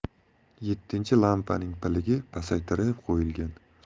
yettinchi lampaning piligi pasaytirib qo'yilgan